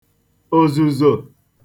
òzùzò